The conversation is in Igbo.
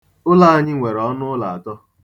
Ụlọ anyị nwere ọnụụlọ atọ.